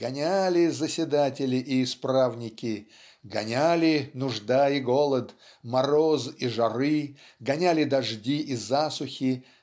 гоняли заседатели и исправники гоняли нужда и голод мороз и жары гоняли дожди и засухи